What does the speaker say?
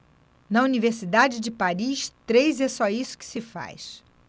na universidade de paris três é só isso que se faz